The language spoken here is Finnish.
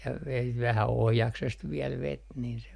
ja veti vähän ohjaksesta vielä veti niin se meni - mutta ei